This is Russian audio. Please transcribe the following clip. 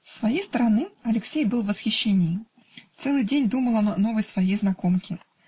С своей стороны, Алексей был в восхищении, целый день думал он о новой своей знакомке